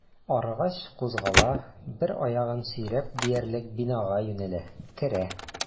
Арыгач, кузгала, бер аягын сөйрәп диярлек бинага юнәлә, керә.